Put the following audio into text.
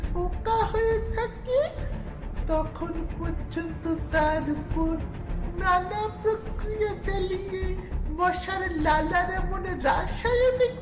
পোকা হয়ে থাকে তখন পর্যন্ত কার ওপর নানা প্রক্রিয়া চালিয়ে মশার লালার এমন রাসায়নিক